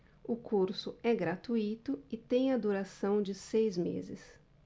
o curso é gratuito e tem a duração de seis meses